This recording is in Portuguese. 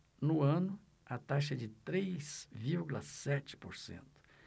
no ano a taxa é de três vírgula sete por cento